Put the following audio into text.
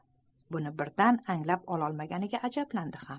buni birdan anglab olmaganiga ajablandi qam